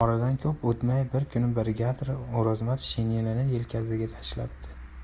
oradan ko'p o'tmay bir kuni brigadir o'rozmat shinelini yelkasiga tashlabdi